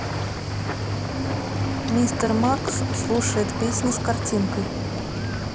мистер макс слушает песни с картинкой